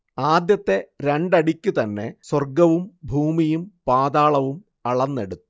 ആദ്യത്തെ രണ്ടടിക്കു തന്നെ സ്വർഗ്ഗവും ഭൂമിയും പാതാളവും അളന്നെടുത്തു